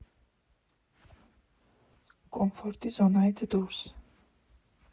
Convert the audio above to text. Կոմֆորտի զոնայից դուրս հրաշքներ են։